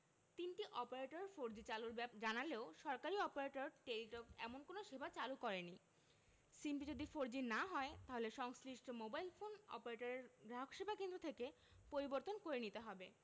তিনটি operator four G চালুর ব্যাপারে জানালেও সরকারি অপারেটর টেলিটক এমন কোনো সেবা চালু করেনি সিমটি যদি ফোরজি না হয় তাহলে তা সংশ্লিষ্ট মোবাইল ফোন অপারেটরের গ্রাহকসেবা কেন্দ্র থেকে পরিবর্তন করে নিতে হবে